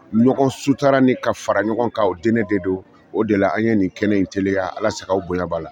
Ɲɔgɔn sutara ni ka fara ɲɔgɔn kan o diinɛ de don o de la an' ye nin kɛnɛ in teliya Ala sak'aw bonya b'a la